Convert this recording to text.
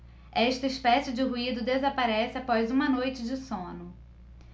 esta espécie de ruído desaparece após uma noite de sono